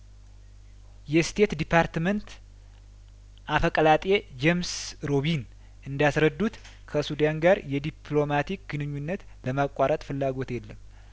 የስቴት ዲፓርትመንት አፈቀላጤ ጄምስ ሩቢን እንዳስረዱት ከሱዳን ጋር የዲፕሎማቲክ ግንኙነት ለማቋረጥ ፍላጐት የለም